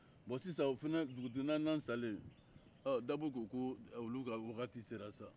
bon sisan o fana dugutigi naaninan salen dabo ko ko olu ka waati sera sisan